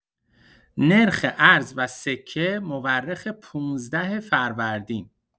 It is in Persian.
نرخ ارز و سکه مورخ ۱۵ فروردین